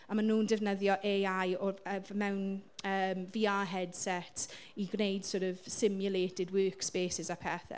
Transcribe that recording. A mae nhw'n defnyddio AI o'r... yf- mewn yym VR headsets i gwneud sort of simulated workspaces a pethe.